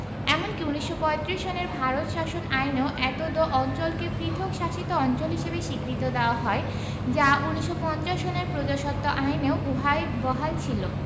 এমনকি ১৯৩৫ সনের ভারত শাসন আইনেও এতদ অঞ্চলকে পৃথক শাসিত অঞ্চল হিসেবে স্বীকৃত দেয়া হয় যা ১৯৫০ সনের প্রজাস্বত্ব আইনেও উহাই বহাল ছিল